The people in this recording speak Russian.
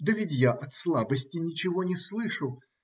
Да ведь я от слабости ничего не слышу.